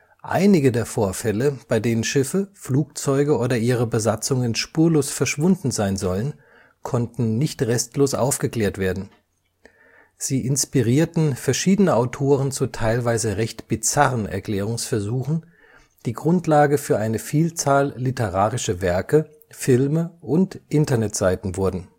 Einige der Vorfälle, bei denen Schiffe, Flugzeuge oder ihre Besatzungen spurlos verschwunden sein sollen, konnten nicht restlos aufgeklärt werden. Sie inspirierten verschiedene Autoren zu teilweise recht bizarren Erklärungsversuchen, die Grundlage für eine Vielzahl literarischer Werke, Filme und Internetseiten wurden